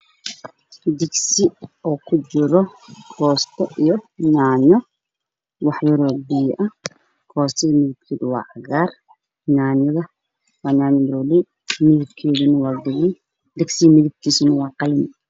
Digsi oo kujiro koosto iyo yaanyo yaanayada waagudud